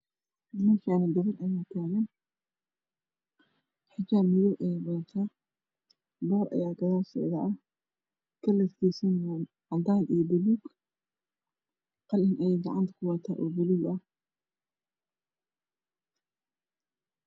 Meshan gabar aya tagan xijab madow ah ayey watata boor aya gadashed ah kalarkis waa cadan iobaluug qalin ayey gacanta kuwatat ooo baluug ah